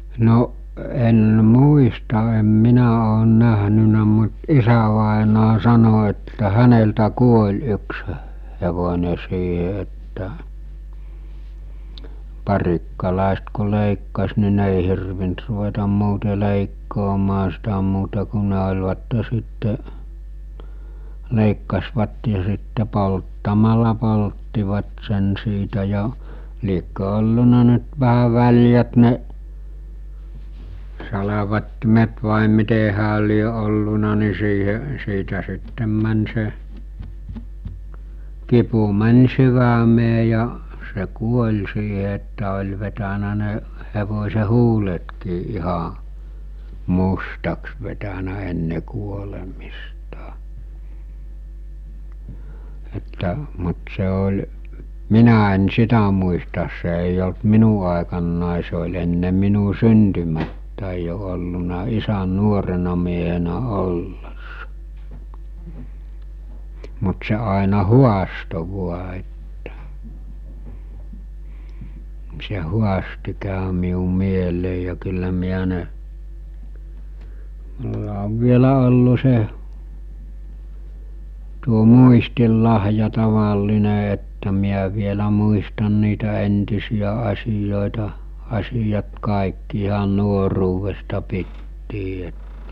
no en muista en minä olen nähnyt mutta isävainaja sanoi että häneltä kuoli yksi hevonen siihen että parikkalaiset kun leikkasi niin ne ei hirvinnyt ruveta muuten leikkaamaan sitä muuta kuin ne olivat sitten leikkasivat ja sitten polttamalla polttivat sen siitä ja liekö ollut nyt vähän väljät ne salvattimet vai miten hänellä lie ollut niin siihen siitä sitten meni se kipu meni sydämeen ja se kuoli siihen että oli vetänyt ne hevosen huuletkin ihan mustaksi vetänyt ennen kuolemista että mutta se oli minä en sitä muista se ei ollut minun aikanani se oli ennen minun syntymääni jo ollut isän nuorena miehenä ollessa mutta se aina haastoi vain että niin se haasti kävi minun mieleeni ja kyllä minä ne minulla on vielä ollut se tuo muistinlahja tavallinen että minä vielä muistan niitä entisiä asioita asiat kaikki ihan nuoruudesta pitäen että